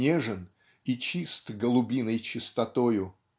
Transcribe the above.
нежен и чист голубиной чистотою.